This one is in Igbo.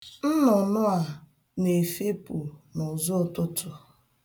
Nnụnụ a na-efepu n'ụzọ ụtụtụ.